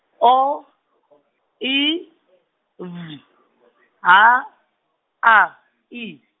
O I V H A I.